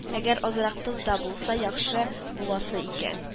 Әгәр азрак тоз да булса, яхшы буласы икән